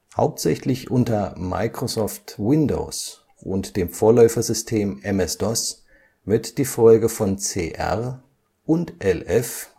Hauptsächlich unter Microsoft Windows und dem Vorläufersystem MS-DOS wird die Folge von CR und LF